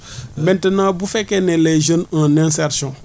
maintenant bu fekkee ne les jeunes un insertion